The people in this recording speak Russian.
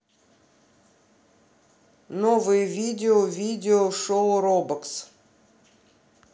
новые видео видео шоу робокс